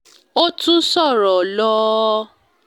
Ó tún sọ̀rọ̀ lọ.